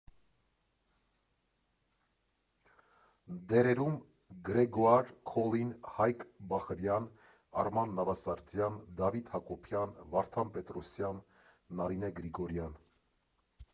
Դերերում՝ Գրեգոար Քոլին, Հայկ Բախրյան, Արման Նավասարդյան, Դավիթ Հակոբյան, Վարդան Պետրոսյան, Նարինե Գրիգորյան։